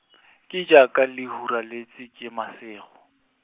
ke jaaka ke huraletswe ke masego.